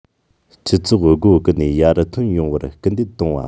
སྤྱི ཚོགས སྒོ ཀུན ནས ཡར ཐོན ཡོང བར སྐུལ འདེད གཏོང བ